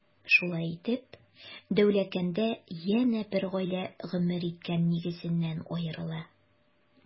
Шулай итеп, Дәүләкәндә янә бер гаилә гомер иткән нигезеннән аерыла.